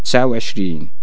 تسعة او عشرين